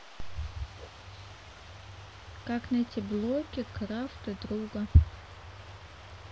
как найти блоки крафте друга